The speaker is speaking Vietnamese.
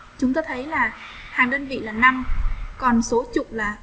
chúng ta thấy là hàng đơn vị là còn số chục là